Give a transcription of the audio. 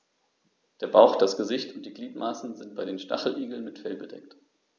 Der Bauch, das Gesicht und die Gliedmaßen sind bei den Stacheligeln mit Fell bedeckt.